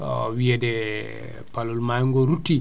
o wiyede Paalol Maayo ngo rutti